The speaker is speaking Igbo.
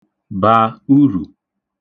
bà urù